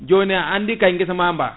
joni a andi kay guessa ma ba